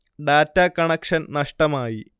data connection നഷ്ടമായി